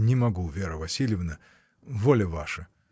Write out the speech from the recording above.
— Не могу, Вера Васильевна, воля ваша!